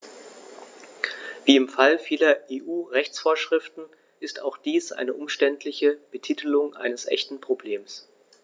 Wie im Fall vieler EU-Rechtsvorschriften ist auch dies eine umständliche Betitelung eines echten Problems.